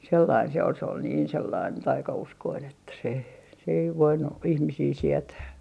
sellainen se oli se oli niin sellainen taikauskoinen että se se ei voinut ihmisiä sietää